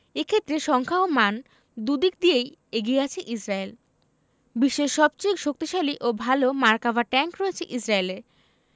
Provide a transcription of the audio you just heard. এ ক্ষেত্রে সংখ্যা ও মান দুদিক দিয়েই এগিয়ে আছে ইসরায়েল বিশ্বের সবচেয়ে শক্তিশালী ও ভালো মার্কাভা ট্যাংক রয়েছে ইসরায়েলের